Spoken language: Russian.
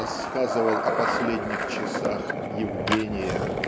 рассказывал о последних часах Евгения